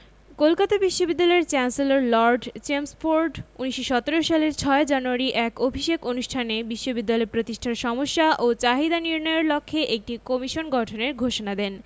কলকাতা বিশ্ববিদ্যালয়ের chancellor Lord Chelmsford ১৯১৭ সালের ৬ January এক অভিষেক অনুষ্ঠানে বিশ্ববিদ্যালয় প্রতিষ্ঠার সমস্যা ও চাহিদা নির্ণয়ের লক্ষ্যে একটি কমিশন গঠনের ঘোষণা দেন